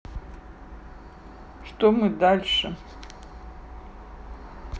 что мы дальше